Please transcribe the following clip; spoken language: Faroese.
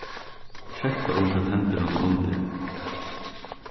sketta um hvat hendir rundan um teg